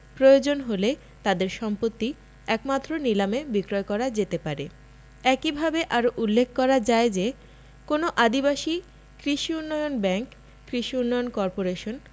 প্রয়োজন হলে তাদের সম্পত্তি একমাত্র নিলামে বিক্রয় করা যেতে পারে একইভাবে আরো উল্লেখ করা যায় যে কোন আদিবাসী কৃষি উন্নয়ন ব্যাংক কৃষি উন্নয়ন কর্পোরেশন